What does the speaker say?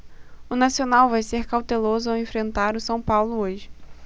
o nacional vai ser cauteloso ao enfrentar o são paulo hoje